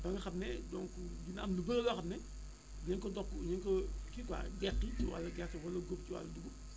ba nga xam ne donc dina am lu bëre loo xam ne dinañ ko topp dinañ ko kii quoi deqi ci wàllu gerte wala góob ci wàllu dugub